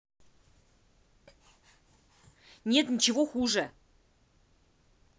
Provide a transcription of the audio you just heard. нет ничего хуже